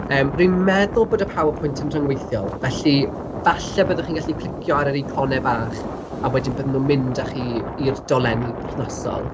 Yym rwy'n meddwl bod y PowerPoint yn rhyngweithiol, felly falle byddwch chi'n gallu clicio ar yr eiconau bach, a wedyn byddan nhw'n mynd â chi i'r dolenni perthnasol.